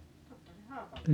-- Haapavedelle